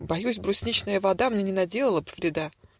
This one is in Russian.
Боюсь: брусничная вода Мне не наделала б вреда.